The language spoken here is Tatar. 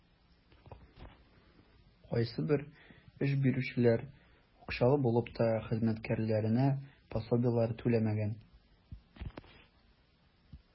Кайсыбер эш бирүчеләр, акчалары булып та, хезмәткәрләренә пособиеләр түләмәгән.